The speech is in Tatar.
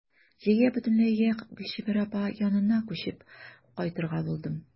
Җәйгә бөтенләйгә Гөлчибәр апа янына күчеп кайтырга булдым.